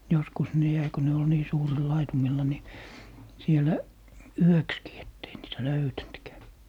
joskus ne jäi kun ne oli niin suurilla laitumilla niin siellä yöksikin että ei niitä löytänytkään